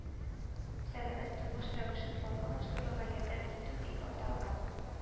Сәламәт тормыш рәвешен формалаштыруга ярдәм итү” дип аталган